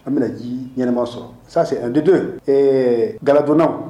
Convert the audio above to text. An bɛna ji ɲɛnɛma sɔrɔ sase an tɛto ee gadonnaw